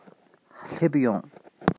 སླེབས ཡོང